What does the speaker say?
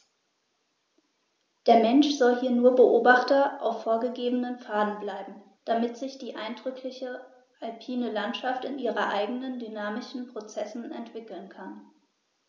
Der Mensch soll hier nur Beobachter auf vorgegebenen Pfaden bleiben, damit sich die eindrückliche alpine Landschaft in ihren eigenen dynamischen Prozessen entwickeln kann.